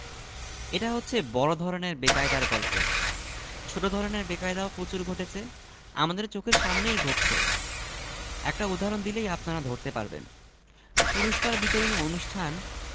এটা হচ্ছে বড় ধরনের বেকায়দার গল্প ছোট ধরনের বেকায়দাও প্রচুর ঘটছে আমাদের চোখের সামনেই ঘটছে একটা উদাহরণ দিলেই আপনারা ধরতে পারবেন পুরস্কার বিতরণী অনুষ্ঠান